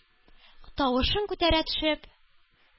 Тавышын күтәрә төшеп: